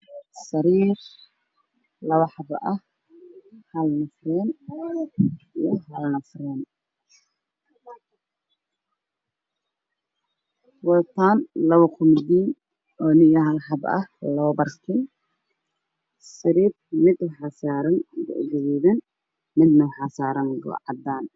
Sariir labo xabo ah hal furan iyo hal aan furnayn waxay wataan labo kumu diin oo niyo hal xabo ah labo barkin sariirta mid waxaa saaran go gaduudan midna waxaa saaran go cadaan ah